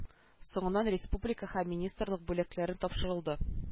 Соңыннан республика һәм министрлык бүләкләре тапшырылды